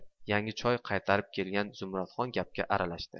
yangi choy ko'tarib qelgan zumradxon gapga aralashdi